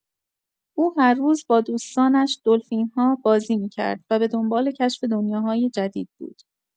او هر روز با دوستانش، دلفین‌ها، بازی می‌کرد و به دنبال کشف دنیاهای جدید بود.